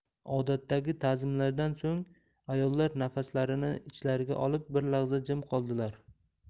odatdagi tazimlardan so'ng ayollar nafaslarini ichlariga olib bir lahza jim qoldilar